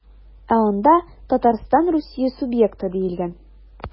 Ә анда Татарстан Русия субъекты диелгән.